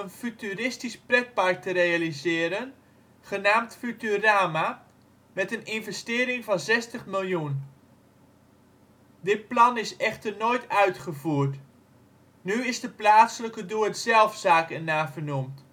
futuristisch pretpark te realiseren genaamd " Futurama " met een investering van 60 miljoen. Dit plan is echter nooit uitgevoerd. Nu is de plaatselijke doe-het-zelf zaak ernaar vernoemd